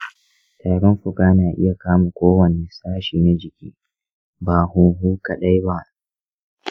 tarin fuka na iya kama kowanne sashi na jiki, ba huhu kaɗai ba.